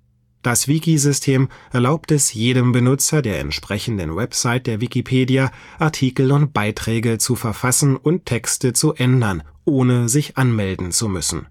Das Wiki-System erlaubt es jedem Benutzer der entsprechenden Website der Wikipedia, Artikel und Beiträge zu verfassen und Texte zu ändern, ohne sich anmelden zu müssen